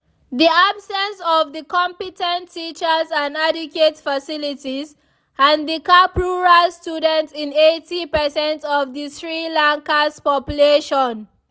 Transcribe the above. [The] Absence of competent teachers and adequate facilities handicap rural students in 80% of the Sri Lankas population.